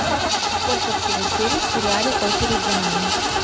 сколько всего серий в сериале очередь за нами